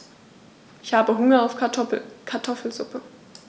Ich habe Hunger auf Kartoffelsuppe.